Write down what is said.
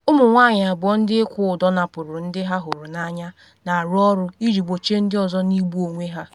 Ụmụ nwanyị abụọ ndị ịkwụ ụdọ napụrụ ndị ha hụrụ n’anya na arụ ọrụ iji gbochie ndị ọzọ n’igbu onwe ha.